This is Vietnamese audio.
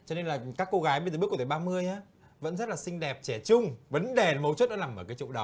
cho nên là các cô gái bây giờ bước vào tuổi ba mươi ớ vẫn rất là xinh đẹp trẻ trung vấn đề mấu chốt nó nằm ở chỗ đó